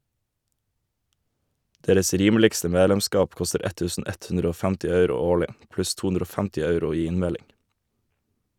Deres rimeligste medlemskap koster 1150 euro årlig pluss 250 euro i innmelding.